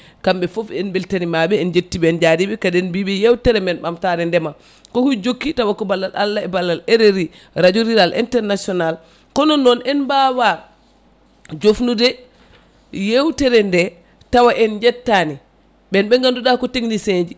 kamɓe foof en beltanimamaɓe en jettiɓe en jariɓe kadi en mbiɓe yewtere men ɓamtare ndeema koko jokki tawa ko ballal Allah e ballal RRI radio rural international kono noon en mbawa jofnude yewtere nde tawa en jettani ɓenɓe ganduɗa ko technicien ji